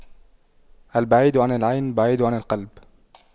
البعيد عن العين بعيد عن القلب